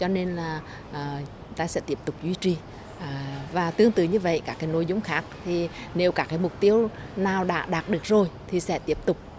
cho nên là ta sẽ tiếp tục duy trì và tương tự như vậy các cái nội dung khác thì nếu các mục tiêu nào đã đạt được rồi thì sẽ tiếp tục